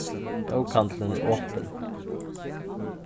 bókahandilin er opin